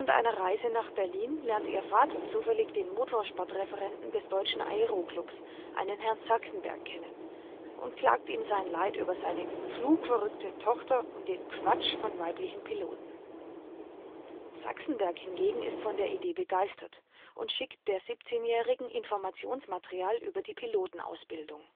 einer Reise nach Berlin lernt ihr Vater zufällig den Motorsportreferenten des Deutschen Aero-Clubs, einen Herrn Sachsenberg, kennen und klagt ihm sein Leid über seine " flugverrückte " Tochter und den " Quatsch " von weiblichen Piloten. Herr Sachsenberg hingegen ist von der Idee begeistert und schickt der 17jährigen Informationsmaterial über die Pilotenausbildung